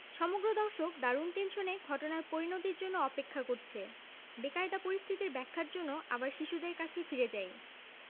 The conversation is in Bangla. সমগ্র দর্শক দারুণ টেনশনে ঘটনার পরিণতির জন্যে অপেক্ষা করছে বেকায়দা পরিস্থিতির ব্যাখ্যার জন্যে আবার শিশুদের কাছে ফিরে যাই